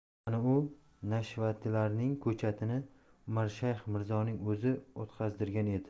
ana u nashvatilarning ko'chatini umarshayx mirzoning o'zi o'tqazdirgan edi